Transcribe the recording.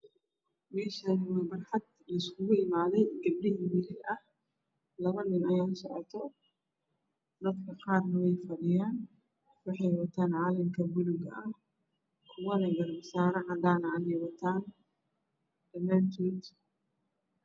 Meeshaan waa barxad la iskugu imaaday gabdho iyo wiilal ah labo nin ayaa socoto dadka qaarna way fadhiyaan waxay wataan calanka buluug ah kuwana garbo saaro cadaan ah ayay wataan.